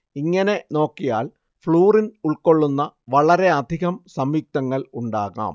ഇങ്ങനെ നോക്കിയാൽ ഫ്ലൂറിൻ ഉൾക്കൊള്ളുന്ന വളരെയധികം സംയുക്തങ്ങൾ ഉണ്ടാകാം